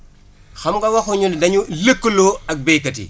xam nga waxuñu ne dañu lëkkaloo ak béykat yi